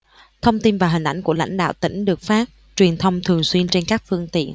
thông tin và hình ảnh của lãnh đạo tỉnh được phát truyền thông thường xuyên trên các phương tiện